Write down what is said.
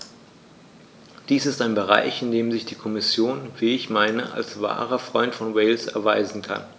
Dies ist ein Bereich, in dem sich die Kommission, wie ich meine, als wahrer Freund von Wales erweisen kann.